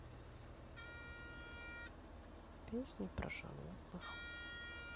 песни про животных